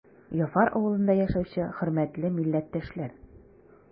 Яфар авылында яшәүче хөрмәтле милләттәшләр!